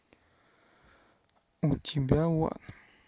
и тебя one